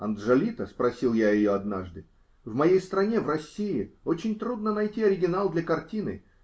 -- Анджолита, -- спросил я ее однажды, -- в моей стране, в России, очень трудно найти оригинал для картины.